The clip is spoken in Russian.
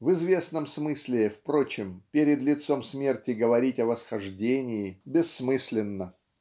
В известном смысле, впрочем, перед лицом смерти говорить о восхождении бессмысленно